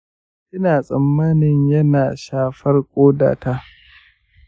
ina tsammanin ya na shafar ƙoda ta.